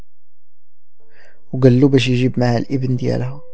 وقلوب يجيب مع الابن